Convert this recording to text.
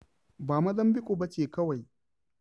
Ba Mozambiƙue ba ce kawai.